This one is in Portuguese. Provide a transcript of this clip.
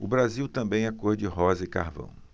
o brasil também é cor de rosa e carvão